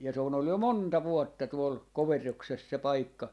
ja se on ollut jo monta vuotta tuolla Koverroksessa se paikka